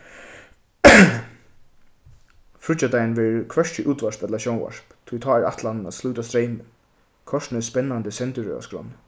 fríggjadagin verður hvørki útvarp ella sjónvarp tí tá er ætlanin at slíta streymin kortini spennandi sendirøð á skránni